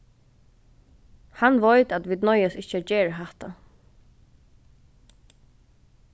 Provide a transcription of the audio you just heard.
hann veit at vit noyðast ikki at gera hatta